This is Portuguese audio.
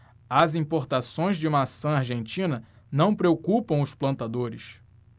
as importações de maçã argentina não preocupam os plantadores